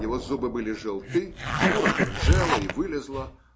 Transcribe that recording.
его зубы были желты, шкура порыжела и вылезла